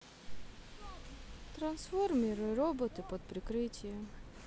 трансформеры роботы под прикрытием